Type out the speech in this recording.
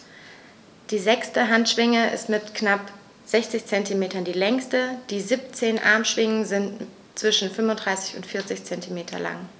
Die sechste Handschwinge ist mit knapp 60 cm die längste. Die 17 Armschwingen sind zwischen 35 und 40 cm lang.